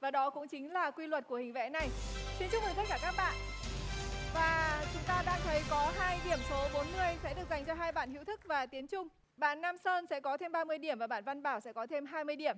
và đó cũng chính là quy luật của hình vẽ này xin chúc mừng tất cả các bạn và chúng ta đang thấy có hai điểm số bốn mươi sẽ được dành cho hai bạn hữu thức và tiến trung bạn nam sơn sẽ có thêm ba mươi điểm và bạn văn bảo sẽ có thêm hai mươi điểm